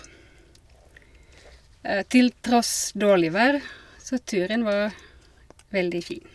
Til tross dårlig vær, så turen var veldig fin.